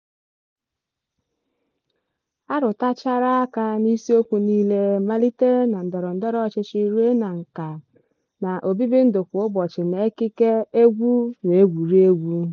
A rụtụchara aka n'isiokwu niile malite na ndọrọ ndọrọ ọchịchị ruo na nka, na obibindụ kwa ụbọchị na ekike, egwu na egwuregwu.